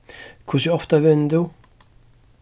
hvussu ofta venur tú